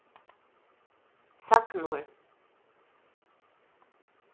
sagnorð